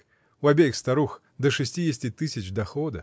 У обеих старух до шестидесяти тысяч дохода.